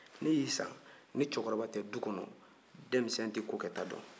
ne y'i san de ni cɛkɔrɔba tɛ du kɔnɔ denmisɛn tɛ ko kɛta dɔn